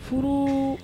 Furu